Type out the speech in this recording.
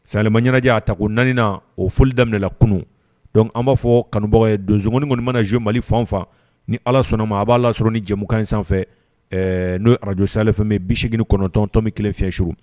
Sanyɛlɛma ɲɛnajɛ a ta ko 4, o foli daminɛna kunun, donc an b'a fɔ kanubagaw ye donso ngɔni kɔnni mana jouer Mali fan o fan, ni Ala sɔnn'a ma a b'a la sɔrɔ ni jɛmukan in sanfɛ ɛɛ n'o ye radio sahel FM, 89 tomi 1 fiŋɛ suru